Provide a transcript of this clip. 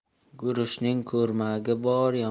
guruchning kurmagi bor